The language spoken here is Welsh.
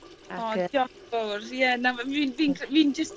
Ag yy... O dioch fowr. Ie na f- fi'n fi'n dry- fi'n jyst